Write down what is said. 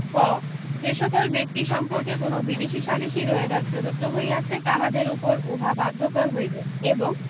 ক যে সকল ব্যক্তি সম্পের্কে কোন বিদেশী সালিসী রোয়েদাদ প্রদত্ত হইয়াছে তাহাদের উপর উহা বাধ্যকর হইবে এবং